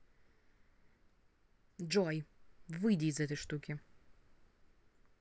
джой выйди из этой штуки